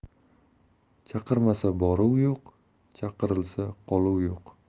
chaqirmasa boruv yo'q chaqirilsa qoluv yo'q